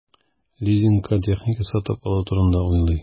Лизингка техника сатып алу турында уйлый.